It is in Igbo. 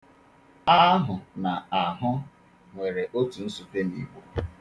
Ahụ̀ na àhụ nwere otu nsupe n'Igbo.